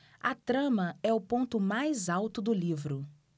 a trama é o ponto mais alto do livro